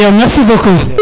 iyo merci beaucoup